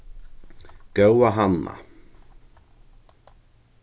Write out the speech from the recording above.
góða hanna